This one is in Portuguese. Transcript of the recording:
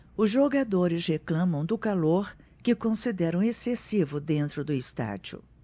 os jogadores reclamam do calor que consideram excessivo dentro do estádio